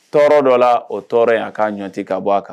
Tɔɔrɔ dɔ la o tɔɔrɔ a k'a ɲɔti ka bɔ a kan